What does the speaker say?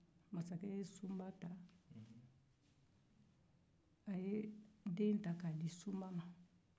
masake ye den ta k'a di sunba ma